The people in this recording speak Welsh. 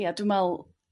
Ia dw me'wl